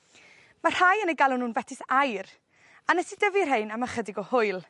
Ma' rhai yn ei galw nw'n fetys aur a nes i dyfu rhein am ychydig o hwyl.